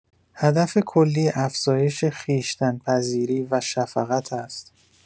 هدف کلی افزایش خویشتن‌پذیری و شفقت است.